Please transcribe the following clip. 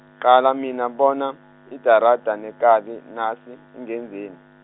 qala mina bona, idarada nekabi, nasi ingenzeni.